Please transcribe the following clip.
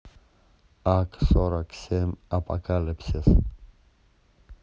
ак сорок семь апокалипсис